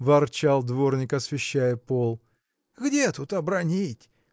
– ворчал дворник, освещая пол, – где тут обронить?